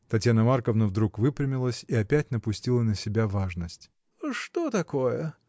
Татьяна Марковна вдруг выпрямилась и опять напустила на себя важность. — Что такое?